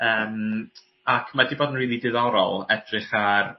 Yym ac mae 'di bod yn rili diddorol edrych ar